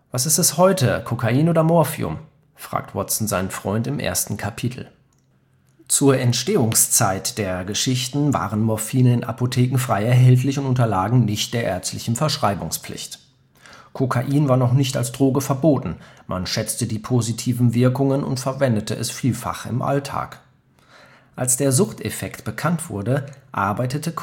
Was ist es heute, Kokain oder Morphium? “fragt Watson seinen Freund im ersten Kapitel. Zur Entstehungszeit der Geschichten waren Morphine in Apotheken frei erhältlich und unterlagen nicht der ärztlichen Verschreibungspflicht. Kokain war noch nicht als Droge verboten, man schätzte die positiven Wirkungen und verwendete es vielfach im Alltag. Als der Suchteffekt bekannt wurde, arbeitete